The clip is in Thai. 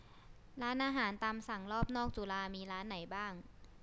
ร้านอาหารตามสั่งรอบนอกจุฬามีร้านไหนบ้าง